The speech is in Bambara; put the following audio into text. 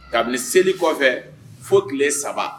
Kabini seli kɔfɛ fo tile 3.